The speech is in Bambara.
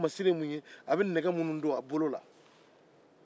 ale ka masiri ye mun ye a bɛ nɛgɛ minnu don a bolo la